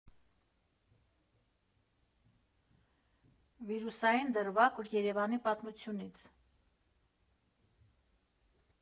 Վիրուսային դրվագ Երևանի պատմությունից։